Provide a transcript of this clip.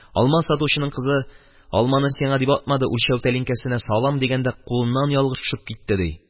«алма сатучының кызы алманы сиңа дип атмады, үлчәү тәлинкәсенә салам дигәндә, кулыннан ялгыш төшеп китте», – ди.